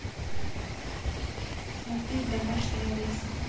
смотреть домашний арест